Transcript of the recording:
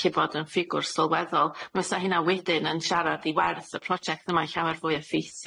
llu bod yn ffigwr sylweddol bysa hynna wedyn yn siarad i werth y project yma'n llawer fwy effeithiol.